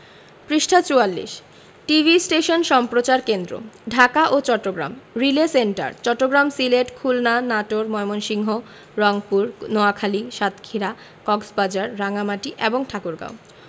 TV station সম্প্রচার কেন্দ্রঃ ঢাকা ও চট্টগ্রাম রিলে সেন্টার চট্টগ্রাম সিলেট খুলনা নাটোর ময়মনসিংহ রংপুর নোয়াখালী সাতক্ষীরা কক্সবাজার রাঙ্গামাটি এবং ঠাকুরগাঁও